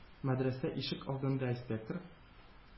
Мәдрәсә ишек алдында инспектор